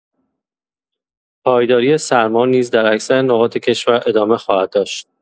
پایداری سرما نیز در اکثر نقاط کشور ادامه خواهد داشت.